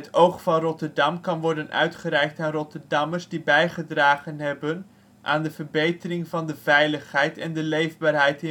Oog van Rotterdam kan worden uitgereikt aan Rotterdammers die bijgedragen hebben aan de verbetering van de veiligheid en de leefbaarheid